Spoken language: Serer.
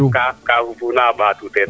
kaa xupuna a ɓaatu teen